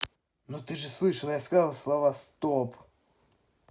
ну ты же слышала я сказала слова стоп